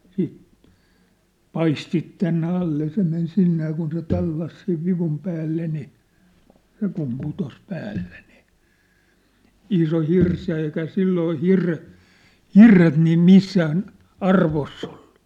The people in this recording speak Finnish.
sitten paistit tänne alle ja se meni sinne ja kun se tallasi sen vivun päälle niin se kun putosi päälle niin iso hirsi ja eikä silloin - hirret niin missään arvossa ollut